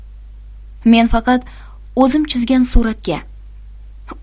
men faqat o'zim chizgan suratga